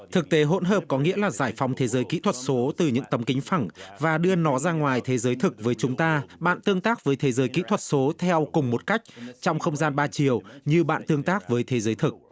thực tế hỗn hợp có nghĩa là giải phóng thế giới kỹ thuật số từ những tấm kính phẳng và đưa nó ra ngoài thế giới thực với chúng ta bạn tương tác với thế giới kỹ thuật số theo cùng một cách trong không gian ba chiều như bạn tương tác với thế giới thực